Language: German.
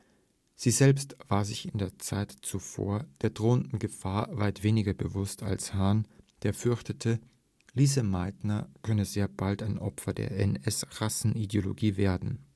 Sie selbst war sich in der Zeit zuvor der drohenden Gefahr weit weniger bewusst als Hahn, der fürchtete, Lise Meitner könne sehr bald ein Opfer der NS-Rassenideologie werden